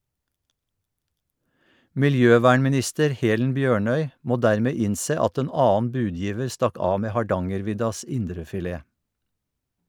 Miljøvernminister Helen Bjørnøy må dermed innse at en annen budgiver stakk av med «Hardangerviddas indrefilet».